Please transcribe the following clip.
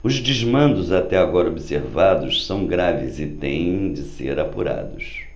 os desmandos até agora observados são graves e têm de ser apurados